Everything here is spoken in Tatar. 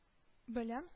Белән